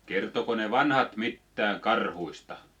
kertoiko ne vanhat mitään karhuista